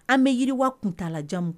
An bɛ yiriwa kuntalajanmu